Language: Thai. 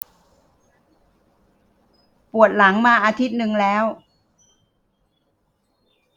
ปวดหลังมาอาทิตย์หนึ่งแล้ว